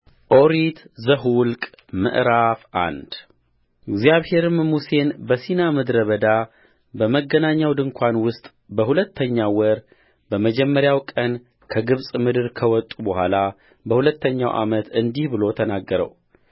ኦሪት ዘኍልቍ ምዕራፍ አንድ እግዚአብሔርም ሙሴን በሲና ምድረ በዳ በመገናኛው ድንኳን ውስጥ በሁለተኛው ወር በመጀመሪያው ቀን ከግብፅ ምድር ከወጡ በኋላ በሁለተኛው ዓመት እንዲህ ብሎ ተናገረው